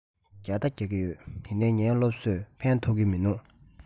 རྒྱག དང རྒྱག གི ཡོད ཡིན ནའི ངའི སློབ གསོས ཕན ཐོགས ཀྱི མི འདུག